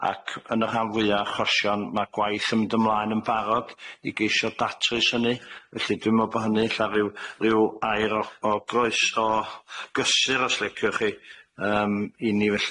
Ac yn y rhan fwya achosion ma' gwaith yn mynd ymlaen yn barod i geisio datrys hynny felly dwi'n me'wl bo' hynny ella ryw ryw air o o groeso gysur os liciwch chi yym i ni felly.